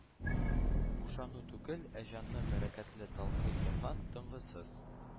Бушану түгел, ә җанны бәрәкәтле талкый торган тынгысыз